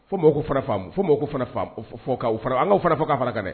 Fo fana fo mako fana fɔ fana fo ka fanaɛ